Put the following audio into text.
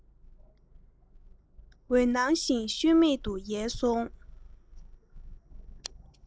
འོད སྣང བཞིན ཤུལ མེད དུ ཡལ སོང